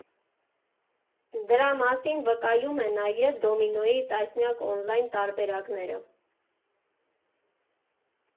Դրա մասին վկայում է նաև դոմինոյի տասնյակ օնլայն տարբերակները։